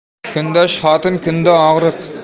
kundosh xotin kunda og'riq